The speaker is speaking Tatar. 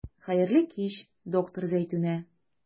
Хәерле кич, доктор Зәйтүнә.